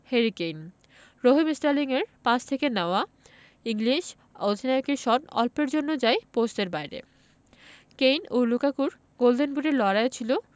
করেন Harry Kane Raheem স্টার্লিংয়ের pass থেকে নেওয়া ইংলিশ অধিনায়কের শট অল্পের জন্য যায় পোস্টের বাইরে কেইন ও লুকাকুর গোল্ডেন বুটের লড়াইও ছিল